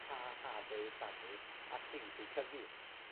pa hade i'w plannu a pryd i'w tyfu.